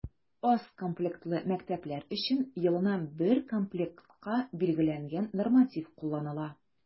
Аз комплектлы мәктәпләр өчен елына бер комплектка билгеләнгән норматив кулланыла.